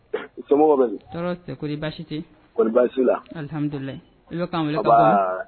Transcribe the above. Bɛ tɔɔrɔ tɛɔri basi tɛ lami ian